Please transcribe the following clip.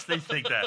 Sleuthig de.